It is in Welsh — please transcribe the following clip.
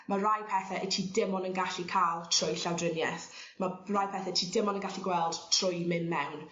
ma' rai pethe 'yt ti dim on' yn gallu ca'l trwy llawdrinieth ma' ma' rai pethe ti dim ond yn gallu gweld trwy myn' mewn